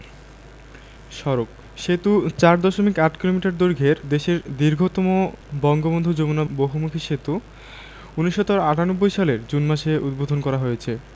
সড়কঃ সেতু ৪দশমিক ৮ কিলোমিটার দৈর্ঘ্যের দেশের দীর্ঘতম বঙ্গবন্ধু যমুনা বহুমুখী সেতু ১৯৯৮ সালের জুন মাসে উদ্বোধন করা হয়েছে